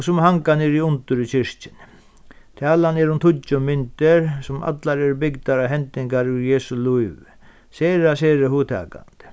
og sum hanga niðriundir í kirkjuni talan er um tíggju myndir sum allar eru bygdar á hendingar úr jesu lívi sera sera hugtakandi